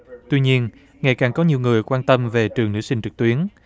tuy nhiên ngày càng có nhiều người quan tâm về trường nảy sinh trực tuyến